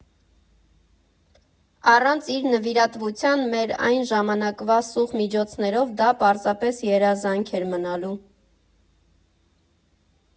Առանց իր նվիրատվության մեր այն ժամանակվա սուղ միջոցներով դա պարզապես երազանք էր մնալու։